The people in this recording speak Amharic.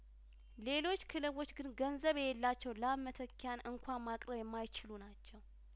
ሌሎች ክለቦች ግን ገንዘብ የሌላቸው ላብ መተኪያን እንኳን ማቅረብ የማይችሉ ናቸው